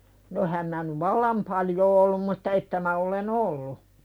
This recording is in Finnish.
no enhän minä nyt vallan paljoa ollut mutta että minä olen ollut